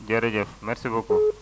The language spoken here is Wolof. jërëjëf merci beaucoup